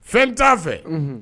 Fɛn t'a fɛ, unhun